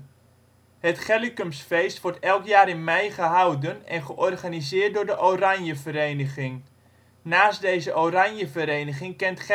Het Gellicums feest wordt elk jaar in mei gehouden en georganiseerd door de Oranjevereniging. Naast deze Oranjevereniging kent